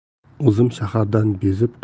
o'zim shahardan bezib